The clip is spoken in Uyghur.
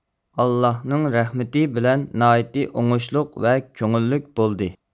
ئاللاھنىڭ رەھمىتى بىلەن ناھايتى ئوڭۇشلۇق ۋە كۆڭۈللۈك بولدى